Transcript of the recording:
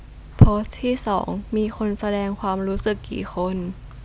โพสต์ที่สองมีคนแสดงความรู้สึกกี่คน